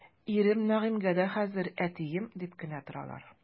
Ирем Нәгыймгә дә хәзер әтием дип кенә торалар.